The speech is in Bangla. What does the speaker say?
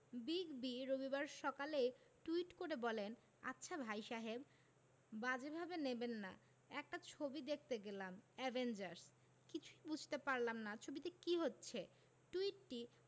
বিগ বি রবিবার সকালেই টুইট করে বলেন আচ্ছা ভাই সাহেব বাজে ভাবে নেবেন না একটা ছবি দেখতে গেলাম অ্যাভেঞ্জার্স কিছু বুঝতেই পারলাম না ছবিতে কী হচ্ছে টুইটটি